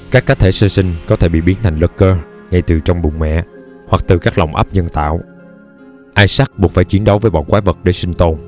các cá thể sơ sinh có thể bị biến thành lurker ngay trừ trong bụng mẹ hoặc từ các lồng ấp nhân tạo isaac buộc phải chiến đấu với bọn quái vật để sinh tồn